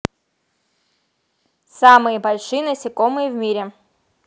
самые большие насекомые в мире